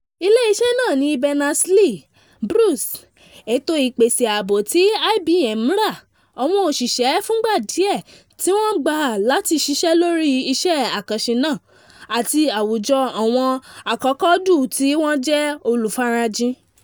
Ilé iṣẹ́ náà ní Berners-Lee, Bruce, ètò ìpèsè ààbò tí IBM rà, àwọn òṣìṣẹ́ fúngbàdíẹ̀ tí wọ́n gbà láti ṣiṣẹ́ lórí iṣẹ́ àkànṣe náà, àti àwùjọ àwọn akọkóòdù tí wọ́n jẹ́ olùfarajìn.